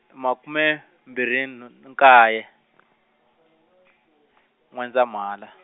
makume, mbirhi n- nkaye , N'wendzamhala.